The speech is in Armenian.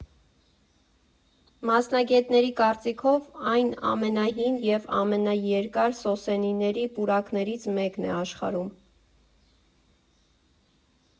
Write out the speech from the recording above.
Մասնագետների կարծիքով այն ամենահին և ամենաերկար սոսենիների պուրակներից մեկն է աշխարհում։